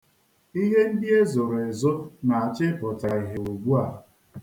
Ihe ndị e zoro ezo na-achọ ịpụta ihie ugbua.